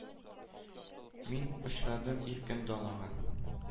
Мин очырдым иркен далага.